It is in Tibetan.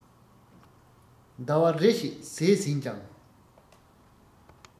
ཟླ བ རེ ཞིག གཟས ཟིན ཡང